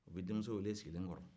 u b'i denmuso wele i sigilen kɔrɔ